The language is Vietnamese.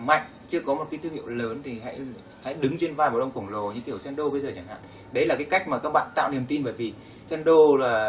mạnh chưa có một thương hiệu lớn thì hãy hãy đứng trên vai một ông khổng lồ như kiểu sen đô bây giờ chẳng hạn đấy là cái cách mà các bạn tạo niềm tin bởi vì sen đô là